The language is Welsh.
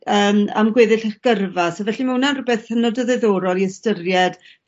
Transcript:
yn am gweddill 'ych gyrfa so felly ma' wnna'n rwbeth hynod o ddiddorol i ystyried